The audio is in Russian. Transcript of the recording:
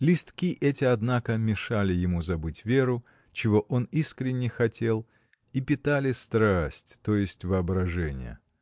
Листки эти, однако, мешали ему забыть Веру, чего он искренно хотел, и питали страсть, то есть воображение.